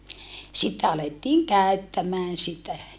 sitten alettiin käyttämään sitä